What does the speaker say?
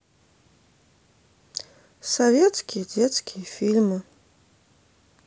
советские детские фильмы